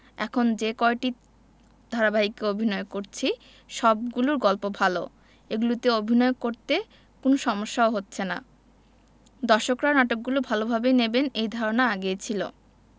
এখন যে কয়টি ধারাবাহিকে অভিনয় করছি সবগুলোর গল্প ভালো এগুলোতে অভিনয় করতে কোনো সমস্যাও হচ্ছে না দর্শকরা নাটকগুলো ভালোভাবেই নেবেন এ ধারণা আগেই ছিল